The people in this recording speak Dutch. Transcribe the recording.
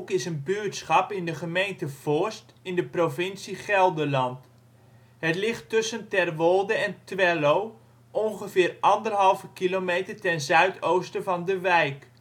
is een buurtschap in de gemeente Voorst, provincie Gelderland. Het ligt tussen Terwolde en Twello, ongeveer 1,5 kilometer ten zuidoosten van De Wijk